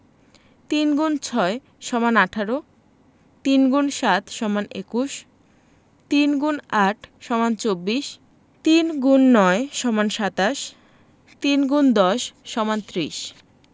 ৩ x ৬ = ১৮ ৩ × ৭ = ২১ ৩ X ৮ = ২৪ ৩ X ৯ = ২৭ ৩ ×১০ = ৩০